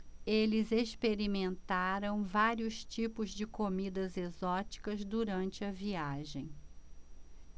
eles experimentaram vários tipos de comidas exóticas durante a viagem